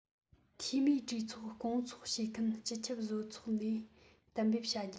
འཐུས མིའི གྲོས ཚོགས སྐོང འཚོགས བྱེད མཁན སྤྱི ཁྱབ བཟོ ཚོགས ནས གཏན འབེབས བྱ རྒྱུ